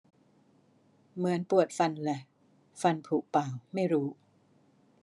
เหมือนปวดฟันเลยฟันผุป่าวไม่รู้